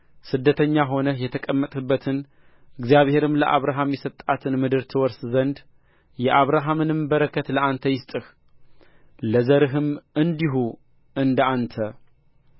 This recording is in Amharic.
ስደተኛ ሆነህ የተቀመጥህባትን እግዚአብሔርም ለአብርሃም የሰጣትን ምድር ትወርስ ዘንድ የአብርሃምን በርከት ለአንተ ይስጥህ ለዘርህም እንዲሁ እንደ አንተ